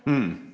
ja.